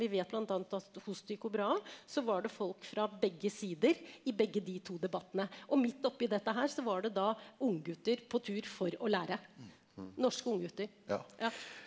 vi vet bl.a. at hos Tycho Brahe så var det folk fra begge sider i begge de to debattene, og midt oppi dette her så var det da unggutter på tur for å lære norske unggutter ja.